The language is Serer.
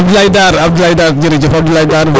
Abdoulaye Dar Abdoulaye Dar jerejef Abdoulaye Dar